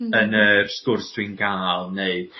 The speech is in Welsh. yn yr sgwrs dwi'n ga'l neu